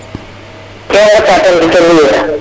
*